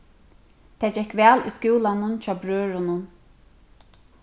tað gekk væl í skúlanum hjá brøðrunum